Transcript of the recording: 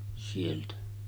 sieltä